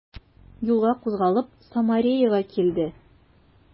Юлга кузгалып, Самареяга килде.